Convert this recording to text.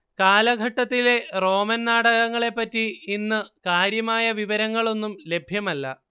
കാലഘട്ടത്തിലെ റോമൻ നാടകങ്ങളെപ്പറ്റി ഇന്നു കാര്യമായ വിവരങ്ങളൊന്നും ലഭ്യമല്ല